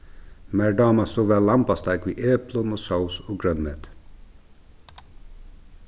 mær dámar so væl lambasteik við eplum og sós og grønmeti